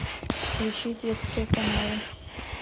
включи детские каналы